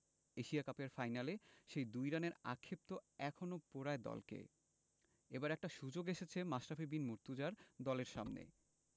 Asia কাপের ফাইনালের সেই ২ রানের আক্ষেপ তো এখনো পোড়ায় দলকে এবার একটা সুযোগ এসেছে মাশরাফি বিন মুর্তজার দলের সামনে